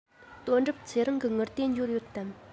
དོན གྲུབ ཚེ རིང གི དངུལ དེ འབྱོར ཡོད དམ